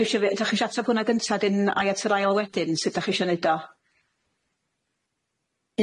chi isho fy- ydach chi isho atab hwnna gynta' a 'dyn ai at yr ail wedyn sut 'dach chi isho neud o?